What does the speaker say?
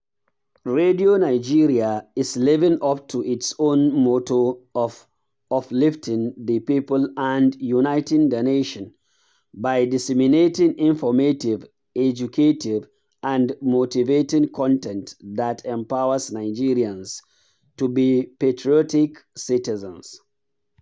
Radio Nigeria is living up to its own motto of uplifting the people and uniting the nation" by disseminating informative, educative and motivating content that empowers Nigerians to be patriotic citizens.